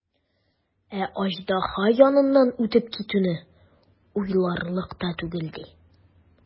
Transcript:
Ә аждаһа яныннан үтеп китүне уйларлык та түгел, ди.